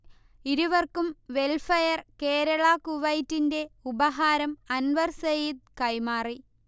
ഇരുവർക്കും വെൽഫെയർ കേരള കുവൈത്തിന്റെ ഉപഹാരം അൻവർ സയീദ് കൈമാറി